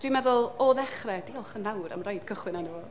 Dwi'n meddwl, o ddechrau – diolch yn awr am roid cychwyn arno fo!